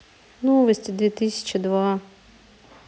новости две тысячи два